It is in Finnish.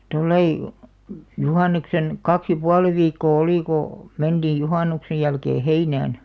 tuolla lailla juhannuksen kaksi ja puoli viikkoa oli kun mentiin juhannuksen jälkeen heinään